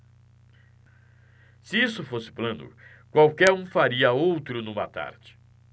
se isso fosse plano qualquer um faria outro numa tarde